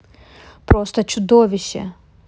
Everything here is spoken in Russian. просто чудовища